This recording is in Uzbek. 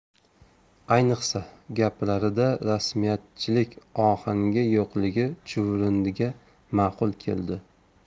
ayniqsa gaplarida rasmiyatchilik ohangi yo'qligi chuvrindiga ma'qul keldi